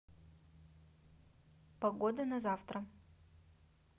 погода на завтра